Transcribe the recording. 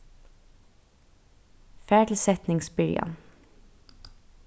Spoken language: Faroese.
far til setningsbyrjan